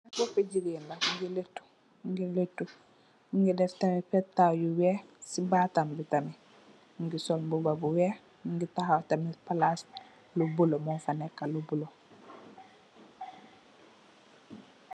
Bopi gigain la, mungy lehtu, mungy lehtu, mungy deff tamit pehtaww yu wekh cii baatam bi tamit, mungy sol mbuba bu wekh, mungy takhaw tamit, plass lu bleu mofa neka, lu bleu.